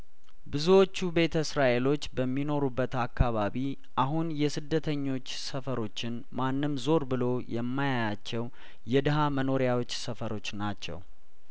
ብዙዎቹ ቤተ እስራኤሎች በሚኖሩበት አካባቢ አሁን የስደተኞች ሰፈሮችን ማንም ዞር ብሎ የማያያቸው የድሀ መኖሪያዎች ሰፈሮች ናቸው